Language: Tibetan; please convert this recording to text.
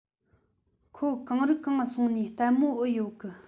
ཁོད གང རི གང ང སོང ནིས ལྟད མོ ཨེ ཡོད གི